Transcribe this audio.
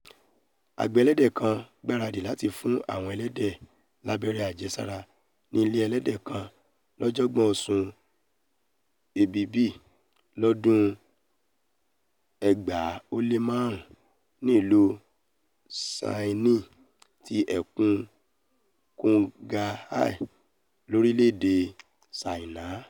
Àgbẹ̀ ẹlẹ́dẹ̀ kan ńgbaradì láti fún àwọn ẹlẹ́dẹ̀ lábẹ́rẹ́ àjẹsára ní ilé ẹlẹ́dẹ̀ kan lọ́gbọ̀njọ́, Oṣù Ẹ̀bibi, lọ́dun 2005 nílù Xining ti Ẹkùn Qinghai, lorílẹ̀-èdè Ṣáínà.